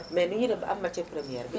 mais nuñuy def ba am matière première bi